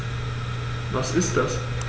Was ist das?